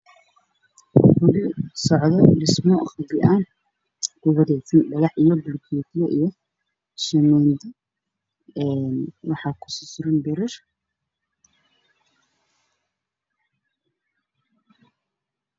Guri ku socda dhismo qabya ah ku wareegsan dhagax